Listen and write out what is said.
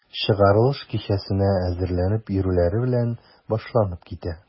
Чыгарылыш кичәсенә әзерләнеп йөрүләре белән башланып китә.